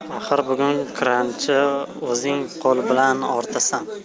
axir bugun kranchi o'zing qo'l bilan ortasan